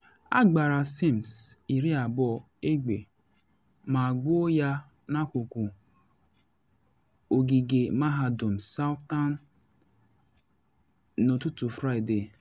Agbara Sims, 20 egbe ma gbuo ya n’akụkụ ogige Mahadum Southern n’ụtụtụ Fraịde.